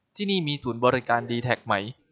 ที่นี่มีศูนย์บริการดีแทคไหม